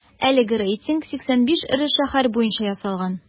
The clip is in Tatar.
Әлеге рейтинг 85 эре шәһәр буенча ясалган.